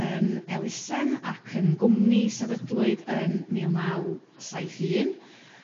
yn elusen ac yn gwmni sefydlwyd yn mil naw saith un.